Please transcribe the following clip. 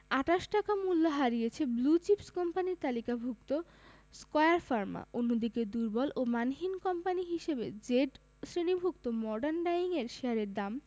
২৮ টাকা মূল্য হারিয়েছে ব্লু চিপস কোম্পানির তালিকাভুক্ত স্কয়ার ফার্মা অন্যদিকে দুর্বল ও মানহীন কোম্পানি হিসেবে জেড শ্রেণিভুক্ত মর্ডান ডায়িংয়ের শেয়ারের দাম